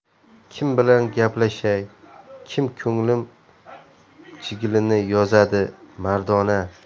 kim bilan gaplashay kim ko'nglim chigilini yozadi mardona